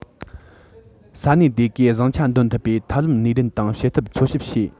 ས གནས དེ གའི བཟང ཆ འདོན ཐུབ པའི ཐབས ལམ ནུས ལྡན དང བྱེད ཐབས འཚོལ ཞིབ བྱས